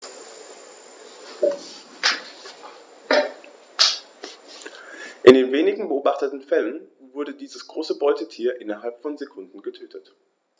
In den wenigen beobachteten Fällen wurden diese großen Beutetiere innerhalb von Sekunden getötet.